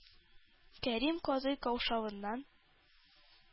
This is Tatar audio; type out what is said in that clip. Кәрим казый каушавыннан